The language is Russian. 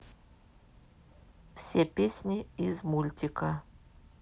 все песни из мультика